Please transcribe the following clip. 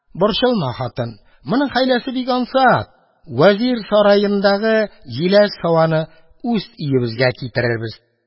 Борчылма, хатын, моның хәйләсе бик ансат: вәзир сараендагы җиләс һаваны үз өебезгә китерербез.